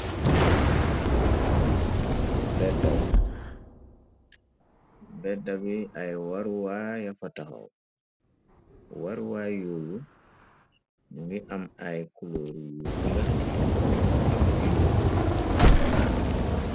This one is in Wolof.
Mbeda la mbedawi ay waruwaa yafa taxaw waruwaa yóoyu ñu ngi am ay kulor yu bula ak yu ñuul.